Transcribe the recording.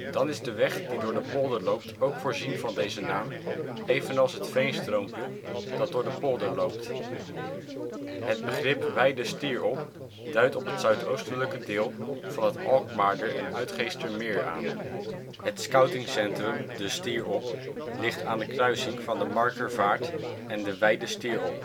Dan is de weg die door de polder loopt ook voorzien van deze naam evenals het veenstroompje dat door de polder loopt. Het begrip Wijde Stierop duidt het zuidoostelijke deel van het Alkmaarder en Uitgeestermeer aan. Het scoutingcentrum " de Stierop " ligt aan de kruising van de Markervaart en de Wijde Stierop